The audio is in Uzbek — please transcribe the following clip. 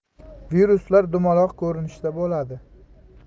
viruslar dumaloq ko'rinishda bo'ladi